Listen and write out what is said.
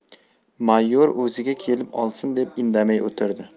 mayor o'ziga kelib olsin deb indamay o'tirdi